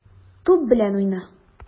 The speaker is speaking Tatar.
Туп белән уйна.